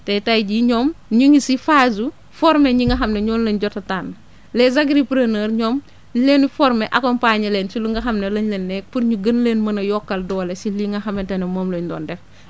te tey jii ñoom ñu ngi si phase su former ñi nga xam ne ñooñu lañ jot a tànn les agripreneurs ñoom dañ leen di former accompagné leen ci lu nga xam ne lañ leen ne pour ñu gën leen mën a yokkal doole si li nga xamante ne moom la ñu doon def